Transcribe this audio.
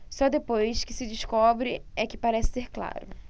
só depois que se descobre é que parece ser claro